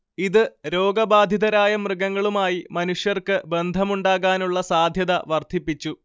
ഇത് രോഗബാധിതരായ മൃഗങ്ങളുമായി മനുഷ്യർക്ക് ബന്ധമുണ്ടാകാനുള്ള സാദ്ധ്യത വർദ്ധിപ്പിച്ചു